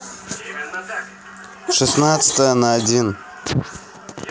шестнадцатая на один